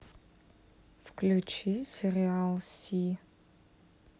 включи сериал си